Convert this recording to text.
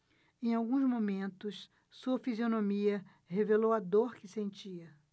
em alguns momentos sua fisionomia revelou a dor que sentia